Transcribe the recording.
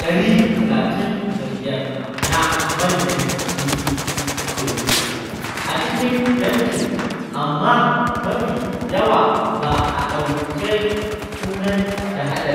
135 na manyan kifin teku a cikin yankin, amma mafi yawa ba a ɗauka suna da haɗari.